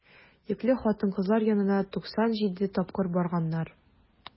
Йөкле хатын-кызлар янына 97 тапкыр барганнар.